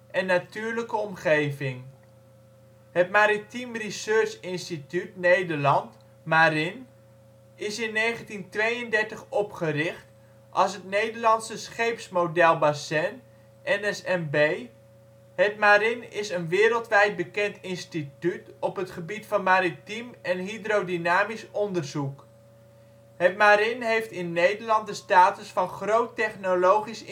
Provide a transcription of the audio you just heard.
en natuurlijke omgeving. Het Maritiem Research Instituut Nederland (MARIN) is in 1932 opgericht als het Nederlandse Scheeps Model Basin (NSMB). Het MARIN is een wereldwijd bekend instituut op het gebied van maritiem en hydrodynamisch onderzoek. Het MARIN heeft in Nederland de status van Groot Technologisch